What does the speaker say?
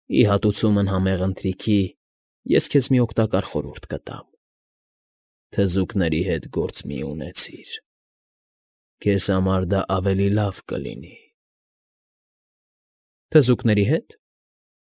Ի հատուցումն համեղ ընթրիքի, ես քեզ մի օգտակար խորհուրդ կտամ. թզուկների հետ գործ մի՛ ունեցիր, քեզ համար դա ավելի լավ կլինի։ ֊ Թզուկների հե՞տ,֊